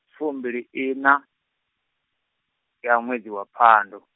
fumbiliiṋa, ya ṅwedzi wa phando.